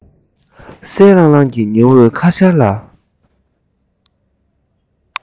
གསལ ལྷང ལྷང གི ཉི འོད ཁ ཤར ལ